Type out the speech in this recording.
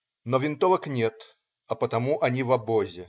Но винтовок нет, а потому они в обозе.